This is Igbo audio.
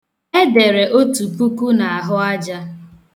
Edere otu puku n'ahụaja.